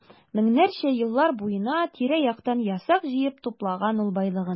Меңнәрчә еллар буена тирә-яктан ясак җыеп туплаган ул байлыгын.